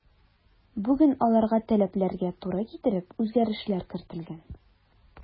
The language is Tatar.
Бүген аларга таләпләргә туры китереп үзгәрешләр кертелгән.